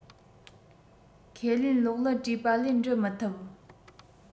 ཁས ལེན གློག ཀླད བྲིས པ ལས འབྲི མི ཐུབ